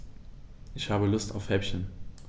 Ich habe Lust auf Häppchen.